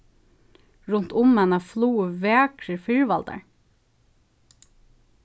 runt um hana flugu vakrir firvaldar